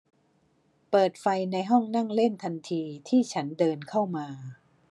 เปิดไฟในห้องนั่งเล่นทันทีที่ฉันเดินเข้ามา